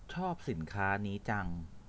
ชอบสินค้านี้จัง